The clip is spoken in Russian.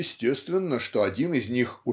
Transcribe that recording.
Естественно, что один из них